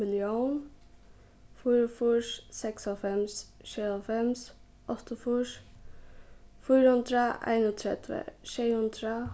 millión fýraogfýrs seksoghálvfems sjeyoghálvfems áttaogfýrs fýra hundrað einogtretivu sjey hundrað